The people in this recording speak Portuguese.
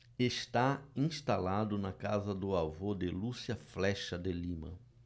está instalado na casa do avô de lúcia flexa de lima